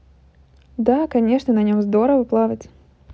да конечно на нем здорово плавать